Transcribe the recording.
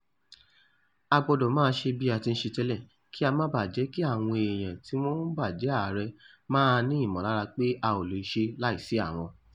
A gbọdọ̀ máa ṣe bí a ti ń ṣe tẹ́lẹ̀ kí á má bá máa jẹ́ kí àwọn èèyàn tí wọ́n bá jẹ Ààrẹ máa ní ìmọ̀lára pé a ò lè ṣe láìsí àwọn.